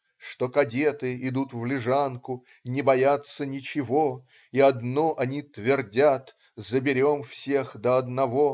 Что кадеты идут в Лежанку Не боятся ничего И одно они твердят Заберем всех до одного.